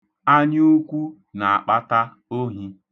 Anyuukwu na-akpata ohi.